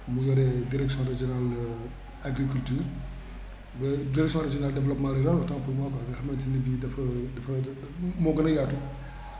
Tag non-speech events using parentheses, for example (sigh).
mu yore direction régionale (hesitation) agriculture direction régionale développement rural autant pour moi nga xamante ne bii dafa (hesitation) dafa moo gën a yaatu